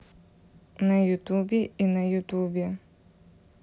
на ютубе и на ютубе